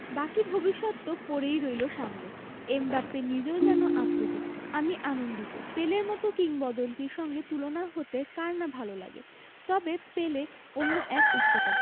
বাকি ভবিষ্যৎ তো পড়েই রইল সামনে এমবাপ্পে নিজেও যেন আপ্লুত আমি আনন্দিত পেলের মতো কিংবদন্তির সঙ্গে তুলনা হতে কার না ভালো লাগে তবে পেলে অন্য এক উচ্চতার